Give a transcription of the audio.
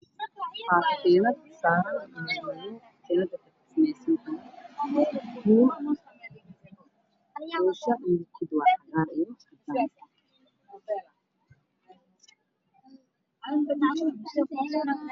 Waa ka tiinad ku dhex jirto saldhiga waxay saaran tahay miis kiiska ka horkiisu waa madow wuxuuna ku dhex jiray miiska qolka